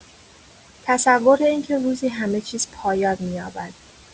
تصور این که روزی همه‌چیز پایان می‌یابد.